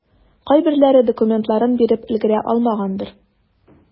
Кайберләре документларын биреп өлгерә алмагандыр.